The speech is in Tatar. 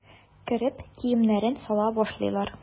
Кереп киемнәрен сала башлыйлар.